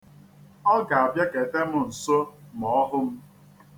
Ọ ga-abịakete m nso ma ọ hụ m.